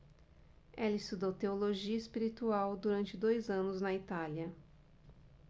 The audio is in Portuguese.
ela estudou teologia espiritual durante dois anos na itália